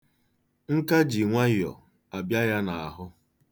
Nka ji nwayọ abịa ya n'ahụ.